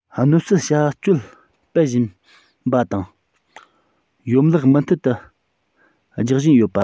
གནོད སེལ བྱ སྤྱོད སྤེལ བཞིན པ དང ཡོམ ལྷག མུ མཐུད རྒྱག བཞིན ཡོད པ